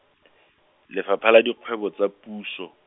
Lefapha la Dikgwebo tsa Puso.